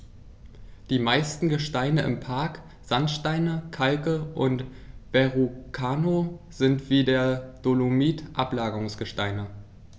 Die meisten Gesteine im Park – Sandsteine, Kalke und Verrucano – sind wie der Dolomit Ablagerungsgesteine.